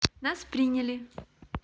нас приняли